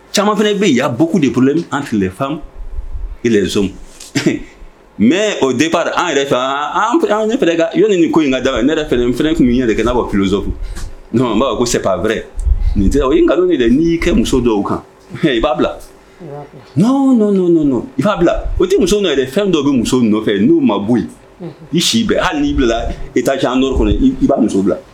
Caman fana bɛ y' bɔ de bolo an filison mɛ o de b'a an yɛrɛ an nin ko in ka da ne yɛrɛ fɛn tun ye yɛrɛ n'a bɔ kisofu b'a ko sepɛ nin tɛ i nkalon de yɛrɛ n'i kɛ muso dɔw kan i b'a bila n i b'a bila o tɛ muso yɛrɛ fɛn dɔ bɛ muso nɔfɛ n'u ma boli i si bɛn hali n'i bila i t ta ca an dɔ kɔnɔ i'a muso bila